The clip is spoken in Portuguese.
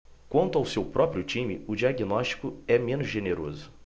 quanto ao seu próprio time o diagnóstico é menos generoso